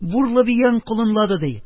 Бурлы бияң колынлады, -ди.